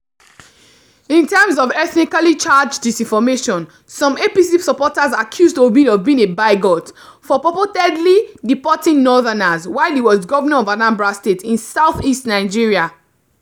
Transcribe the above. In terms of ethnically-charged disinformation, some APC supporters accused Obi of being a bigot for purportedly deporting northerners while he was governor of Anambra State, in southeast Nigeria.